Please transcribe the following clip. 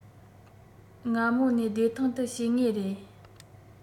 སྔ མོ ནས བདེ ཐང དུ བྱེད ངེས རེད